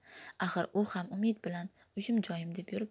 axir u ham umid bilan uyim joyim deb yuribdi ku